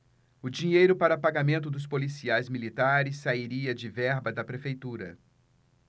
o dinheiro para pagamento dos policiais militares sairia de verba da prefeitura